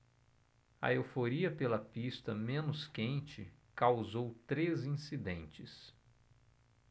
a euforia pela pista menos quente causou três incidentes